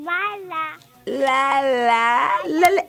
Myara